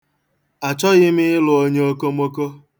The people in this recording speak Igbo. Achọghị m ịlụ onye okomoko.